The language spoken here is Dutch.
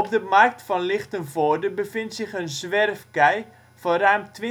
de markt van Lichtenvoorde bevindt zich een zwerfkei van ruim 20.000